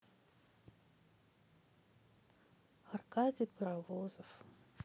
аркадий паровозов